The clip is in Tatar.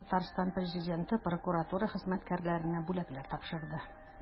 Татарстан Президенты прокуратура хезмәткәрләренә бүләкләр тапшырды.